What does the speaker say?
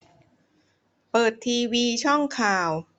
เปิดทีวีช่องข่าว